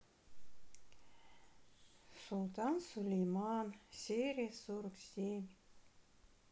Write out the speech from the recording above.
султан сулейман серия сорок семь